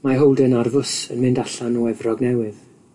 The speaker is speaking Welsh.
Mae Holden ar fws yn mynd allan o Efrog Newydd.